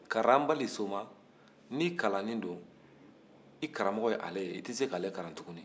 karanbali soma n'i kalannen don i karamɔgɔ y'ale ye i tɛ sek'ale kalan tuguni